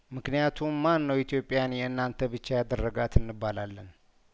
ምክንያቱም ማን ነው ኢትዮጵያን የእናንተ ብቻ ያደረጋት እንባላለን